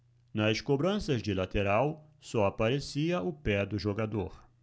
nas cobranças de lateral só aparecia o pé do jogador